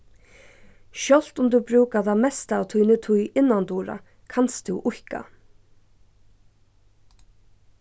sjálvt um tú brúkar tað mesta av tíni tíð innandura kanst tú íðka